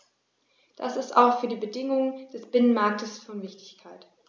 Das ist auch für die Bedingungen des Binnenmarktes von Wichtigkeit.